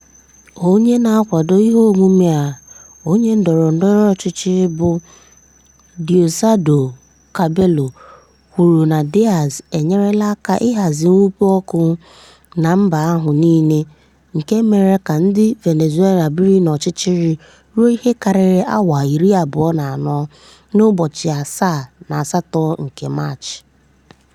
Onye na-akwado ihe omume a, onye ndọrọ ndọrọ ọchịchị bụ Diosdado Cabello, kwuru na Diaz enyerela aka ịhazi mwepu ọkụ na mba ahụ niile nke mere ka ndị Venezuela biri n'ọchịchịrị ruo ihe karịrị awa 24 n'ụbọchị 7 na 8 nke Maachị.